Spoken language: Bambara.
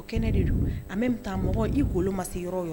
O kɛnɛ de don a bɛ taa mɔgɔ i wolo ma se yɔrɔ yɔrɔ